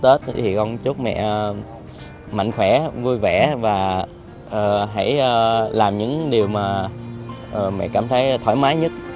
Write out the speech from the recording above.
tết thì con chúc mẹ mạnh khỏe vui vẻ và hãy làm những điều mà mẹ cảm thấy thoải mái nhất